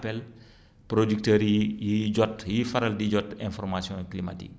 may lancé appel producteur yi yiy jot yiy faral di jot information climatique